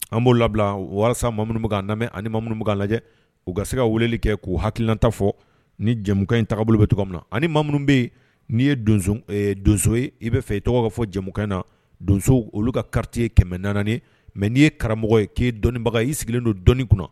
An b'o labila walasa ma minnua lamɛn ma minnu b'a lajɛ u ka se ka weleli kɛ k'u hakilta fɔ ni jamukan in taga bolo bɛ min na ani ma minnu bɛ yen n'i ye donso donso ye i bɛa fɛ i tɔgɔ kaa fɔ jamukan na donso olu ka ka kɛmɛ na ye mɛ n'i ye karamɔgɔ ye k'e dɔnnibaga i sigilen don dɔni kunna